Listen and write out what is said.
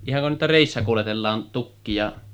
ihanko niitä reissä kuljetellaan tukkia